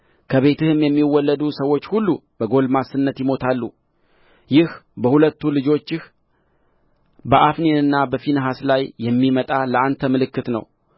ከቤትህም የሚወለዱ ሰዎች ሁሉ በጐልማስነት ይሞታሉ ይህ በሁለቱ ልጆችህ በአፍኒንና በፊንሐስ ላይ የሚመጣ ለአንተ ምልክት ነው